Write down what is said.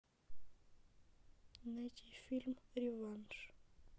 найди фильм реванш